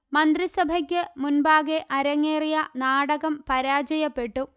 മന്ത്രിസഭയ്ക്ക് മുന്പാകെ അരങ്ങേറിയ നാടകം പരാജയപ്പെട്ടു